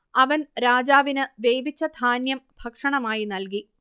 അവൻ രാജാവിന് വേവിച്ച ധാന്യം ഭക്ഷണമായി നൽകി